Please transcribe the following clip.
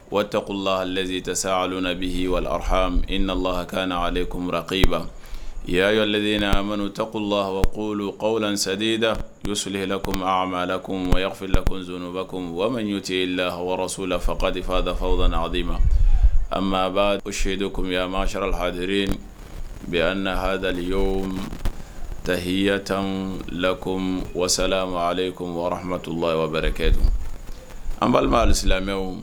Watako la ze ta sa ali na bi waha nalahaka na ale kouraka ban a ya dina ma takɔ lahako aw sayida yoo solilako alakofi la koko walima'o te lahaso ladifa dafafada ha ma an maba seyidu a ma sal hadre mɛ an na hadalili yɔrɔ tahiya tan lako wasala ko hamatu wɛrɛ kɛ dun an alisimɛ